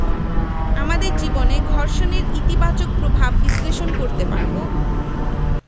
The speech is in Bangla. আমাদের জীবনে ঘর্ষণের ইতিবাচক প্রভাব বিশ্লেষণ করতে পারব